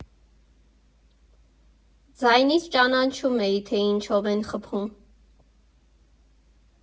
Ձայնից ճանաչում էի, թե ինչով են խփում։